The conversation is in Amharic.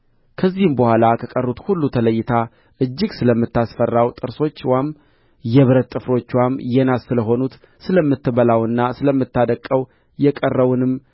ከዚህም በኋላ ከቀሩት ሁሉ ተለይታ እጅግ ስለምታስፈራው ጥርሶችዋም የብረት ጥፍሮችዋም የናስ ስለሆኑት ስለምትበላውና ስለምታደቅቀው የቀረውንም